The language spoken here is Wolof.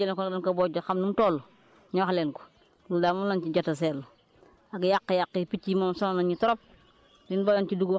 heure bu mu ñu waxee ñu bojj nag war nañ ko bojj xam nu mu toll ñu wax leen ko loolu daal moom lañ ci jot a seetlu ak yàq-yàq yi picc moom sonal nañ ñu trop